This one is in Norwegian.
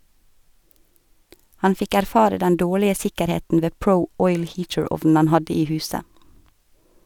Han fikk erfare den dårlige sikkerheten ved Pro Oil Heater-ovnen han hadde i huset.